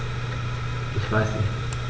Ich weiß nicht.